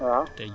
waaw